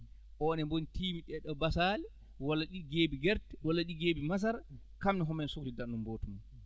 o ne mbo tiimi ɗee ɗoo basaale walla ɗii geeɓi gerte walla ɗi geeɓi masara kam hono heen sohli darde gootum